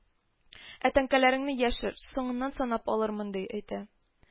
Ә тәңкәләреңне яшер, соңыннан санап алырмын, ди әйтә